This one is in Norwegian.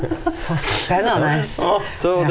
så spennende ja.